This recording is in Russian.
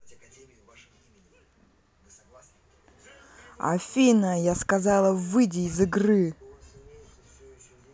афина я сказала выйти из игры